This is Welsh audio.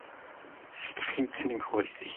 'Dach chi'n tynnu'n nghoes i.